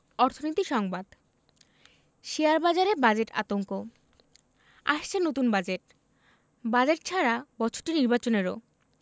অর্থনীতি সংবাদ শেয়ারবাজারে বাজেট আতঙ্ক আসছে নতুন বাজেট বাজেট ছাড়া বছরটি নির্বাচনেরও